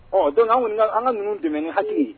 Ɔ don an ka ninnu dɛmɛ ni hali ye